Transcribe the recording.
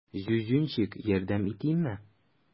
Зюзюнчик, ярдәм итимме?